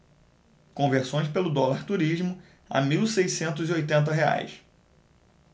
conversões pelo dólar turismo a mil seiscentos e oitenta reais